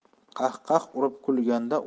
qahqaha urib kulganidan